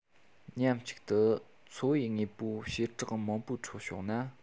མཉམ གཅིག ཏུ འཚོ བའི དངོས པོའི བྱེ བྲག མང པོའི ཁྲོད བྱུང ན